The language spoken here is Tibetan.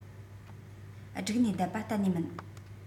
བསྒྲིགས ནས བསྡད པ གཏན ནས མིན